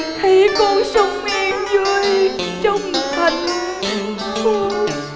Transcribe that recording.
thấy con sống yên vui trong hạnh phúc còn